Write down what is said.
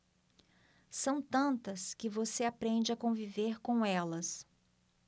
são tantas que você aprende a conviver com elas